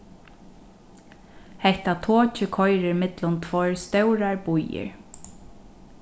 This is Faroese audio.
hetta tokið koyrir millum tveir stórar býir